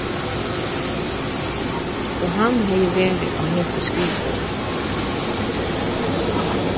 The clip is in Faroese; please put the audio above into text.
og hann hevði verið á hesi skrivstovu